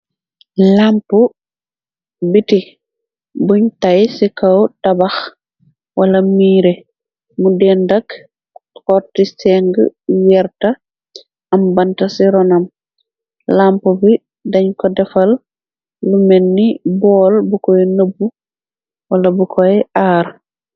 Lampu biti buñ tay ci kaw tabax, wala miire, mu dendak xortiseng weerta, am banta ci ronam, lampu bi dañ ko defal lu menni bool bu koy nëbb, wala bu koy aar.